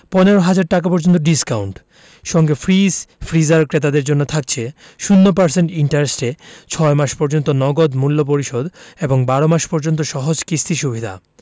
১৫ ০০০ টাকা পর্যন্ত ডিসকাউন্ট সঙ্গে ফ্রিজ ফ্রিজার ক্রেতাদের জন্য থাকছে ০% ইন্টারেস্টে ৬ মাস পর্যন্ত নগদ মূল্য পরিশোধ এবং ১২ মাস পর্যন্ত সহজ কিস্তি সুবিধা